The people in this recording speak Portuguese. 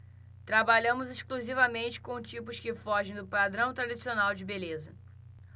trabalhamos exclusivamente com tipos que fogem do padrão tradicional de beleza